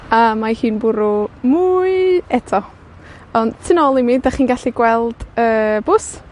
A mae hi'n bwrw mwy eto. Ond, tu nôl i mi, 'dach chi'n gallu gweld y bws.